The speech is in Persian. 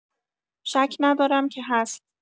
شک ندارم که هست.